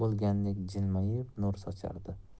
bo'lgandek jilmayib nur sochardi